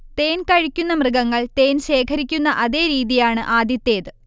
തേൻകഴിക്കുന്ന മൃഗങ്ങൾ തേൻശേഖരിക്കുന്ന അതേ രീതിയാണ് ആദ്യത്തേത്